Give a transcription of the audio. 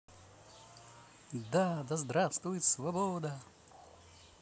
да да здравствует свобода